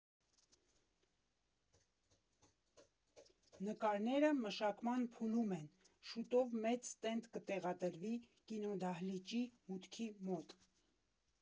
Նկարները մշակման փուլում են, շուտով մեծ ստենդ կտեղադրվի կինոդահլիճի մուտքի մոտ։